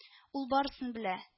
Ул барысын белә